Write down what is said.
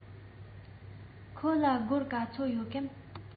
ཁོ ལ སྒོར ག ཚོད འདུག གམ